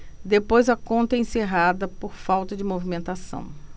depois a conta é encerrada por falta de movimentação